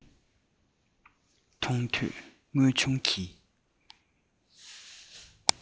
མཐོང ཐོས དངོས བྱུང གི